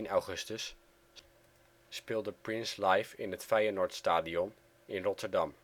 augustus speelde Prince live in het Feyenoordstadion in Rotterdam